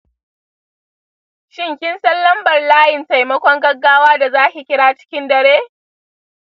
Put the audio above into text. shin kinsan lambar layin taimakon gaggawa da zaki kira cikin dare?